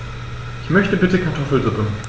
Ich möchte bitte Kartoffelsuppe.